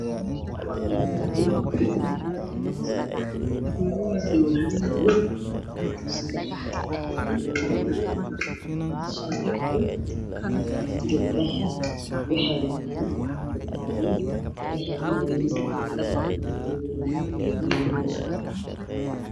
Waa dugsi waxaa fadhiya gabdho wataan xijaabo madow ah waxay ku fadhiyaan caddaan